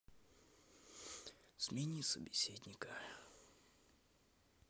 смени собеседника